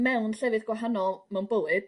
mewn llefydd gwahanol mewn bywyd.